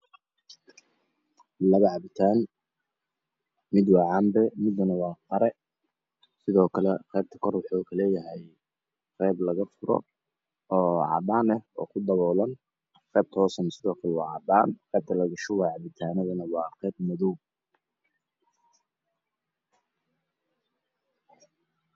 Waxaa ii muuqda weelal ay ku jiraan biyo cabitaan ah oo camba ah iyo qarro